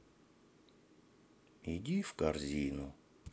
иди в корзину